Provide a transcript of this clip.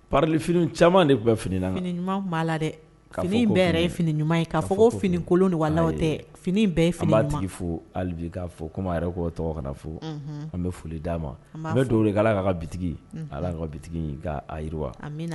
Paini caman de tun bɛ fini na ɲuman la dɛ fini bɛɛ ye fini ɲuman ye ka fɔ finikolon waaw tɛ fini bɛɛ ye fa tigi fo ka fɔ kuma yɛrɛ kɔ tɔgɔ kana na fo an bɛ foli d'a ma bɛ don ala ka ka bi ala ka biwa